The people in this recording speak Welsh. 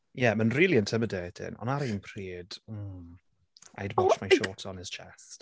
Ie, mae'n rili intimidating ond ar un pryd mm... I'd wash my shorts on his chest.